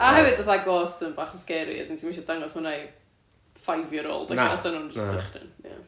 A hefyd fatha ghosts yn bach yn sgeri so 'swn i'm isio dangos hwnna i 5-year-old ella 'san nhw'n jyst dychryn ia